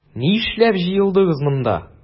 Нишләп җыелдыгыз монда?